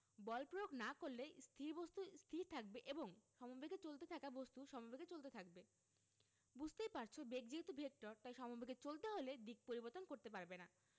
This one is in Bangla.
বল প্রয়োগ না করলে স্থির বস্তু স্থির থাকবে এবং সমেবেগে চলতে থাকা বস্তু সমেবেগে চলতে থাকবে বুঝতেই পারছ বেগ যেহেতু ভেক্টর তাই সমবেগে চলতে হলে দিক পরিবর্তন করতে পারবে না